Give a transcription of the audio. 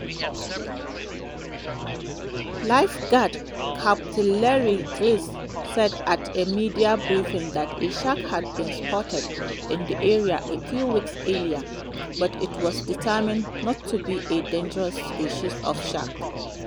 Lifeguard Capt. Larry Giles said at a media briefing that a shark had been spotted in the area a few weeks earlier, but it was determined not to be a dangerous species of shark.